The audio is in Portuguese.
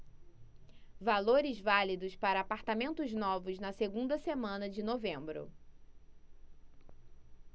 valores válidos para apartamentos novos na segunda semana de novembro